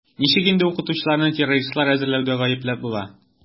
Ничек инде укытучыларны террористлар әзерләүдә гаепләп була?